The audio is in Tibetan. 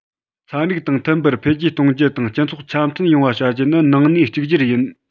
ཚན རིག དང མཐུན པར འཕེལ རྒྱས གཏོང རྒྱུ དང སྤྱི ཚོགས འཆམ མཐུན ཡོང བ བྱ རྒྱུ ནི ནང གནས གཅིག གྱུར ཡིན